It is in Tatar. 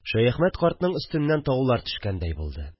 Шәяхмәт картның өстеннән таулар төшкәндәй булды